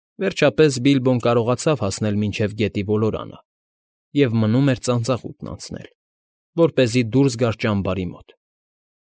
Վերջապես, Բիլբոն կարողացավ հասնել մինչև գետի ոլորանը և մնում էր ծանծաղուտն անցնել, որպեսզի դուրս գար ճամբարի մոտ։